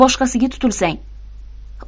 boshqasiga tutilsang